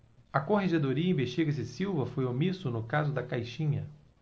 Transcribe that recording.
a corregedoria investiga se silva foi omisso no caso da caixinha